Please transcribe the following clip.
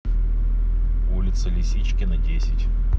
улица лисичкина десять